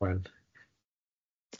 Wel.